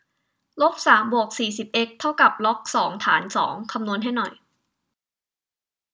ลบสามบวกสี่สิบเอ็กซ์เท่ากับล็อกสองฐานสองคำนวณให้หน่อย